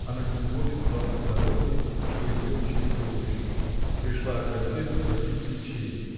она не сводит глаз с дороги, что идет через рощу. Пришла Аграфена просить ключей.